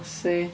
Lassie.